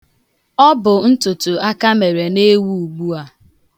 Ọ bụ ntụtụakamere na-ewu ugbua.